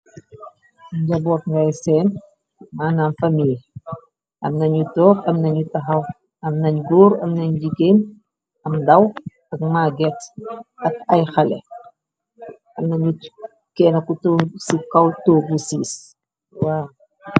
Njaboot ngay seen manaam famille am nañu toox amnañu taxaw am nañu góor amnañu jigéen am daw ak maaget ak ay xale amnañu ken ku ci kaw toogu siis wa.